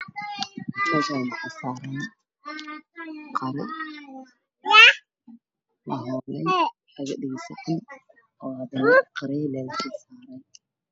Meeshan waxaa yaalo qaro oo miis saaran midabkiisa waa guduud